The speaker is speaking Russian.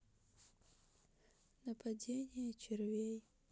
нападение червей